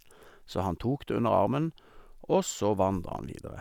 Så han tok det under armen, og så vandra han videre.